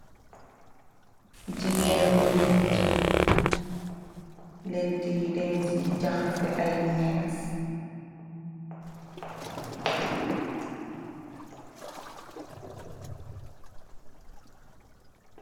Jigéen bu létt, létt yi déen ci jaxasé ay mèes.